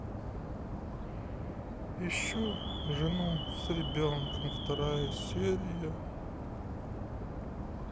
ищу жену с ребенком вторая серия